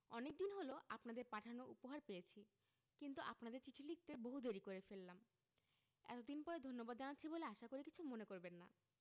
অনেকদিন হল আপনাদের পাঠানো উপহার পেয়েছি কিন্তু আপনাদের চিঠি লিখতে বহু দেরী করে ফেললাম এতদিন পরে ধন্যবাদ জানাচ্ছি বলে আশা করি কিছু মনে করবেন না